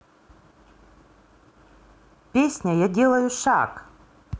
песня я делаю шаг